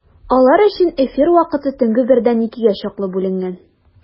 Алар өчен эфир вакыты төнге бердән икегә чаклы бүленгән.